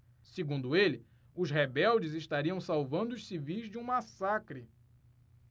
segundo ele os rebeldes estariam salvando os civis de um massacre